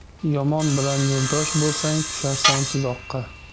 yomon bilan yo'ldosh bo'lsang tusharsan tuzoqqa